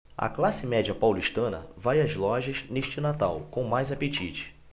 a classe média paulistana vai às lojas neste natal com mais apetite